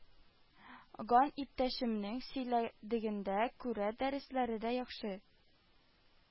Ган иптәшемнең сөйләдегенә күрә, дәресләре дә яхшы